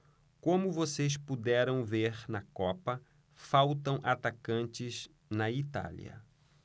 como vocês puderam ver na copa faltam atacantes na itália